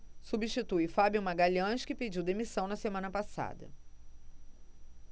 substitui fábio magalhães que pediu demissão na semana passada